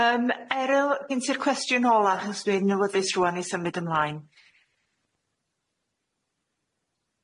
Yym Eryl gin ti'r cwestiwn nôl achos dwi'n awyddus rŵan i symud ymlaen.